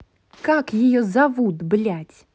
как ее зовут блядь